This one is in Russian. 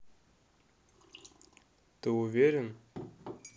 ты уверен